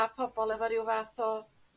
a pobol efo ryw fath o